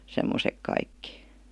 semmoiset kaikki